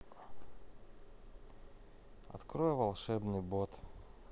открой волшебный бот